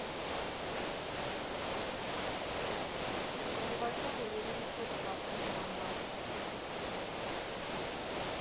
Գորբաչովը երևի չէր սպասում նման բան։